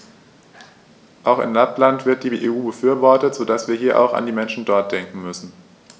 Auch in Lappland wird die EU befürwortet, so dass wir hier auch an die Menschen dort denken müssen.